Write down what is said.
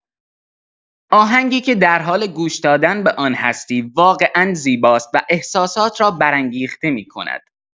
آهنگی که در حال گوش‌دادن به آن هستی، واقعا زیباست و احساسات را برانگیخته می‌کند.